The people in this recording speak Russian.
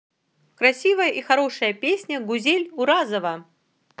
красивая и хорошая песня гузель уразова